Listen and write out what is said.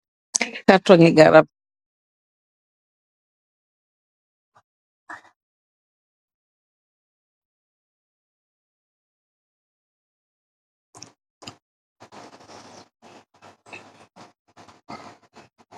Cartonni ngaraab